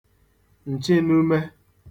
ǹchịnume